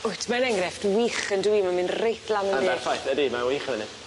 Wyt ma'n enghrefft wych yndyw 'i mae'n mynd reit lan yn bell. Yn berffaith ydi mae wych yn fyn 'ny.